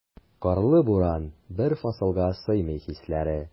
Карлы буран, бер фасылга сыймый хисләре.